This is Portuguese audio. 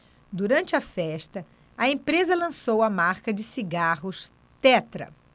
durante a festa a empresa lançou a marca de cigarros tetra